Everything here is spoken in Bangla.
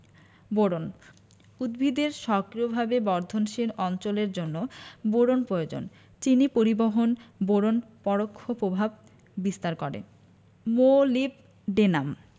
বোরন উদ্ভিদের সক্রিয়ভাবে বর্ধনশীল অঞ্চলের জন্য বোরন পয়োজন চিনি পরিবহন বোরন পরোক্ষ পভাব বিস্তার করে মোলিবডেনাম